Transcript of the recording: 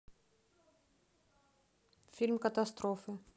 фильм катастрофы